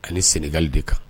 Ani sɛnɛgali de kan